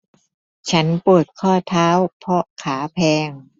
ฉันปวดข้อเท้าเพราะขาแพลง